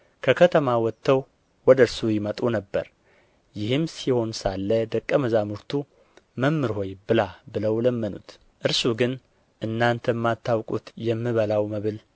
ከከተማ ወጥተው ወደ እርሱ ይመጡ ነበር ይህም ሲሆን ሳለ ደቀ መዛሙርቱ መምህር ሆይ ብላ ብለው ለመኑት እርሱ ግን እናንተ የማታውቁት የምበላው መብል